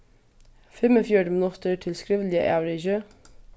fimmogfjøruti minuttir til skrivliga avrikið